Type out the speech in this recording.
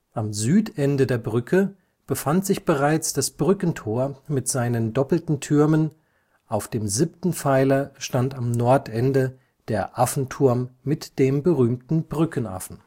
Am Südende der Brücke befand sich bereits das Brückentor mit seinen doppelten Türmen, auf dem siebten Pfeiler stand am Nordende der Affenturm mit dem berühmten Brückenaffen